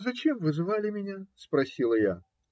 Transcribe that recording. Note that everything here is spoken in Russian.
- Зачем вы звали меня? - спросила я.